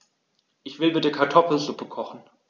Ich will bitte Kartoffelsuppe kochen.